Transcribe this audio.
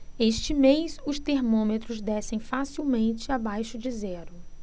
este mês os termômetros descem facilmente abaixo de zero